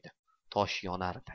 tosh yonardi